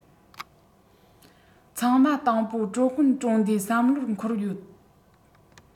ཚང མ དང པོ ཀྲུང གོན གྲོང སྡེ བསམ བློར འཁོར ཡོད